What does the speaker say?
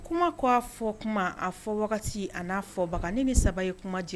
Kuma ko a fɔ kuma a fɔ wagati a n'a fɔbaga ni ni saba ye kuma di